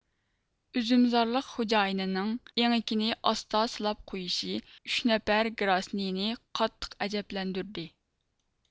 ئۈزۈمزارلىق خوجايىنىنىڭ ئېڭىكىنى ئاستا سىلاپ قويۇشى ئۈچ نەپەر گراسنېنى قاتتىق ئەجەبلەندۈردى